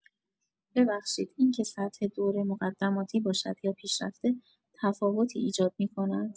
ببخشید، این‌که سطح دوره مقدماتی باشد یا پیشرفته، تفاوتی ایجاد می‌کند؟